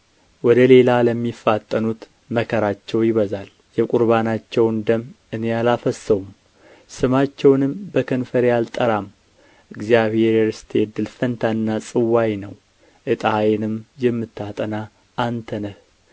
ወደ ሌላ ለሚፋጠኑት መከራቸው ይበዛል የቍርባናቸውን ደም እኔ አላፈስሰውም ስማቸውንም በከንፈሬ አልጠራም እግዚአብሔር የርስቴ እድል ፈንታና ጽዋዬ ነው ዕጣዬንም የምታጠና አንተ ነህ